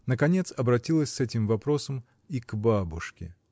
Наконец обратилась с этим вопросом и к бабушке.